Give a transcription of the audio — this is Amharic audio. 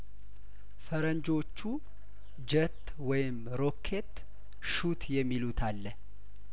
ፈረንጆቹ ጀት ወይም ሮኬት ሹት የሚሉት አለ